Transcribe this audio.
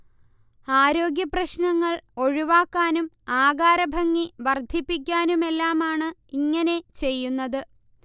ആരോഗ്യപ്രശ്നങ്ങൾ ഒഴിവാക്കാനും ആകാരഭംഗി വർദ്ധിപ്പിക്കാനുമെല്ലാമാണ് ഇങ്ങനെ ചെയ്യുന്നത്